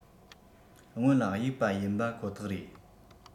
སྔོན ལ གཡུག པ ཡིན པ ཁོ ཐག རེད